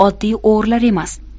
oddiy o'g'rilar emas